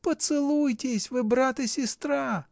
Поцелуйтесь: вы брат и сестра.